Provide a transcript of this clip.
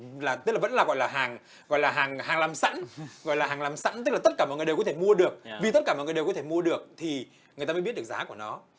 là tức là vẫn là gọi là hàng gọi là hàng làm sẵn gọi là hàng làm sẵn tức là tất cả mọi người đều có thể mua được vì tất cả mọi người đều có thể mua được thì người ta mới biết được giá của nó